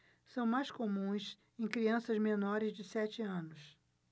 são mais comuns em crianças menores de sete anos